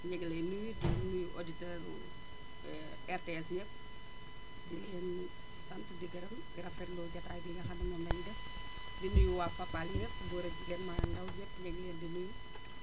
ñu ngi lay nuyu di nuyu auditeurs RTS yëpp di leen sant di leen gërëm di rafetlu jotaay bi nga xam ne moom lañ def di nuyu waa Fapal ñëpp góor ak jigéen mag ak ndam ñëpp ñu ngi leen di nuyu